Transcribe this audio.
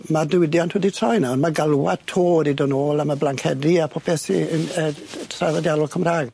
Ma' diwydiant wedi troi nawr ma' galwad 'to wedi do' nôl am y blancedi a popeth sy yn yy t- t- traddodiadol Cymra'g.